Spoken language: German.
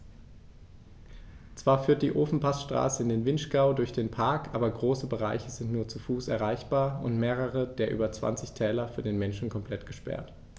Zwar führt die Ofenpassstraße in den Vinschgau durch den Park, aber große Bereiche sind nur zu Fuß erreichbar und mehrere der über 20 Täler für den Menschen komplett gesperrt.